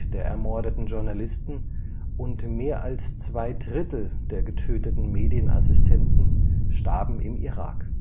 der ermordeten Journalisten (36 Journalisten) und mehr als zwei Drittel der getöteten Medienassistenten (24 Medienassistenten) starben im Irak